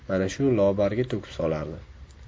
mana shu lobarga to'kib solardi